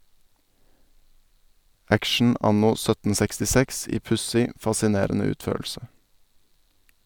Action anno 1766 i pussig, fascinerende utførelse.